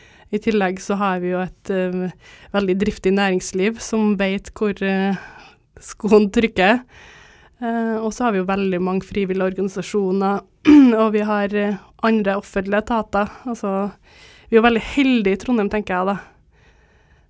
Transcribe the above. i tillegg så har vi jo et veldig driftig næringsliv som vet hvor skoen trykker også har vi jo veldig mange frivillige organisasjoner og vi har andre offentlige etater altså vi er jo veldig heldige i Trondheim tenker jeg da.